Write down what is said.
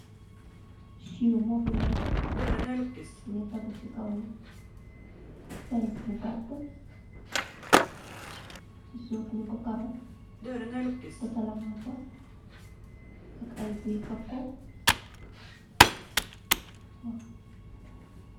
Siwo mu fii neka, mingi teggu si kaw fens bu gaatta, si suuf nyun ko karo, tasala mung fa, ak ay guuy koko.